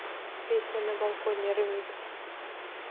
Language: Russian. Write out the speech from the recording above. песня на балконе ремикс